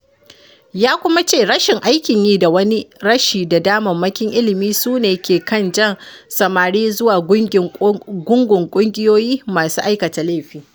Ya kuma ce rashin aikin yi da wani rashi na damammakin ilmi su ne ke jan samari zuwa gungun ƙungiyoyi masu aikata laifi.